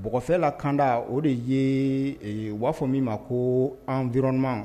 Bɔgɔfɛnla kanda o de ye b'a fɔ min ma ko anirma